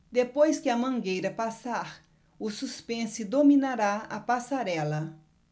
depois que a mangueira passar o suspense dominará a passarela